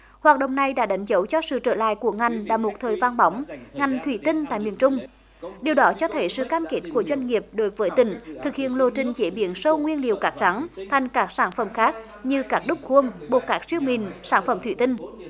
hoạt động này đã đánh dấu cho sự trở lại của ngành đã một thời vắng bóng ngành thủy tinh tại miền trung điều đó cho thấy sự cam kết của doanh nghiệp đối với tỉnh thực hiện lộ trình chế biến sâu nguyên liệu cát trắng thành các sản phẩm khác như các đức vuông bộ tách chức mìn sản phẩm thủy tinh